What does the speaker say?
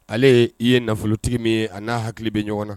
Ale ye nafolotigi min ye, a n'a hakili bɛ ɲɔgɔn na.